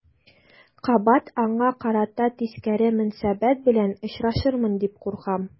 Кабат аңа карата тискәре мөнәсәбәт белән очрашырмын дип куркам.